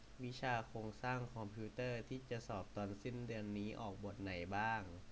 วิชาโครงสร้างคอมพิวเตอร์ที่จะสอบตอนสิ้นเดือนนี้ออกบทไหนบ้าง